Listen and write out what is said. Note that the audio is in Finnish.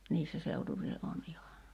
niissä seutuvilla on ihan